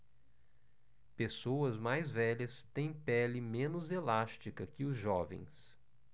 pessoas mais velhas têm pele menos elástica que os jovens